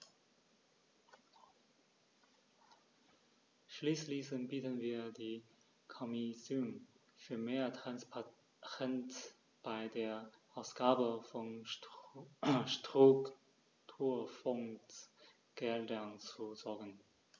Schließlich bitten wir die Kommission, für mehr Transparenz bei der Ausgabe von Strukturfondsgeldern zu sorgen.